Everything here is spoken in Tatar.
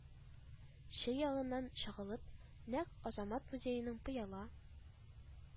Че ягыннан чагылып, нәкъ азамат музееның пыяла